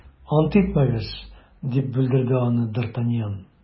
- ант итмәгез, - дип бүлдерде аны д’артаньян.